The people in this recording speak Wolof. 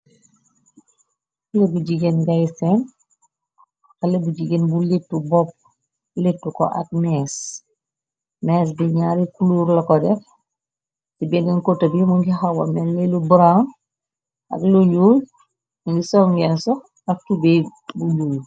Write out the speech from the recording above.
Xele bu jigéen ngay sen , xelé bu jigéen bu littu bopp, littu ko ak mees. Mees bi ñaari kluur la ko def, ti bennen cota bi mu ngi xawa melni lu bron ak lu ñuul, mungi sol ngeenso ak tubéy bu nuul.